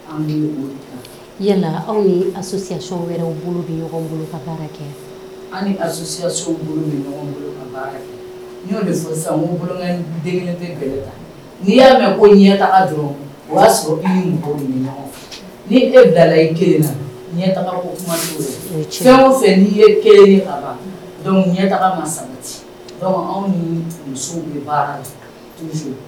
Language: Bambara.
Anwya boloya bolo n'i y'a mɛn ko ɲɛ kala dɔrɔn o y'a sɔrɔ ni bilala i ke ɲɛ ci fɛ ni ye keti anw